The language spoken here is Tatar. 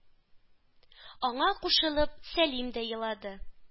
Аңа кушылып Сәлим дә елады...